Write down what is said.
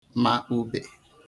ma ubè